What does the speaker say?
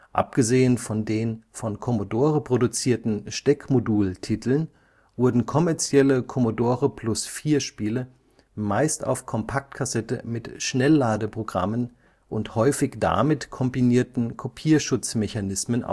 Abgesehen von den von Commodore produzierten Steckmodultiteln wurden kommerzielle Commodore-Plus/4-Spiele meist auf Kompaktkassette mit Schnellladeprogrammen und häufig damit kombinierten Kopierschutzmechanismen